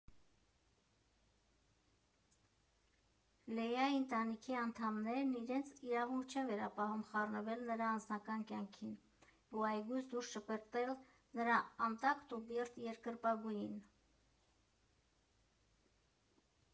Լեայի ընտանիքի անդամներն իրենց իրավունք չեն վերապահում խառնվել նրա անձնական կյանքին, ու այգուց դուրս շպրտել նրա անտակտ ու բիրտ երկրպագուին։